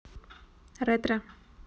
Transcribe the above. ретро